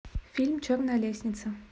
фильм черная лестница